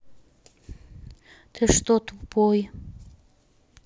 ты что тупой